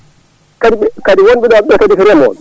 kadi kadi wonɓe ɗon ɓe kadi ko remoɓe